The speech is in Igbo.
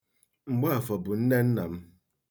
Mgbaafọ bụ nne nna m.